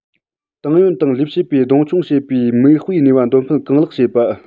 ཏང ཡོན དང ལས བྱེད པའི གདོང མཆོང བྱེད པའི མིག དཔེའི ནུས པ འདོན སྤེལ གང ལེགས བྱེད པ